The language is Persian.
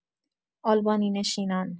آلبانی نشینان